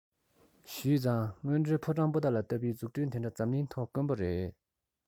ཞུས ཙང དངོས འབྲེལ ཕོ བྲང པོ ཏ ལ ལྟ བུའི འཛུགས སྐྲུན དེ འདྲ འཛམ གླིང ཐོག དཀོན པོ རེད